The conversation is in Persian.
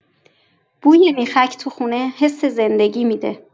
بوی میخک تو خونه حس زندگی می‌ده.